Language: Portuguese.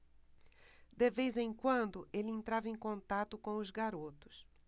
de vez em quando ele entrava em contato com os garotos